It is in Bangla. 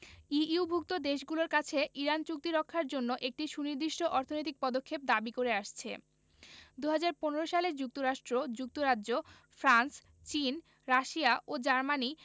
ইইউভুক্ত দেশগুলোর কাছে ইরান চুক্তি রক্ষার জন্য একটি সুনির্দিষ্ট অর্থনৈতিক পদক্ষেপ দাবি করে আসছে ২০১৫ সালে যুক্তরাষ্ট্র যুক্তরাজ্য ফ্রান্স চীন রাশিয়া ও জার্মানি